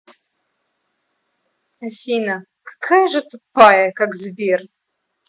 афина какая же тупая как сбер